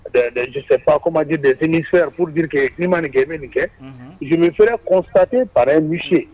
Des des ́je ne sais pas comment dire des émissaires pour dire ni ma nin kɛ i bɛ ni kɛ, unhun, je ne saurais constater par un niché